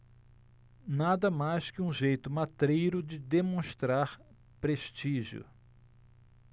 nada mais que um jeito matreiro de demonstrar prestígio